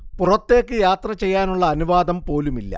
പുറത്തേക്ക് യാത്ര ചെയ്യാനുള്ള അനുവാദം പോലുമില്ല